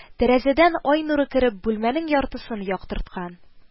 Тәрәзәдән ай нуры кереп, бүлмәнең яртысын яктырткан